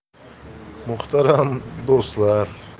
muhtaram do'stlar